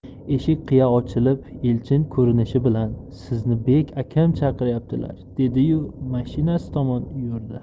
eshik qiya ochilib elchin ko'rinishi bilan sizni bek akam chaqiryaptilar dedi yu mashinasi tomon yurdi